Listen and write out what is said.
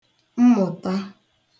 mmụ̀ta